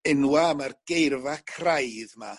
enwa' ma'r geirfa craidd 'ma